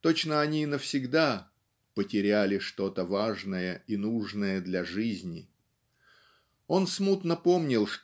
точно они навсегда "потеряли что-то важное и нужное для жизни"! Он смутно помнил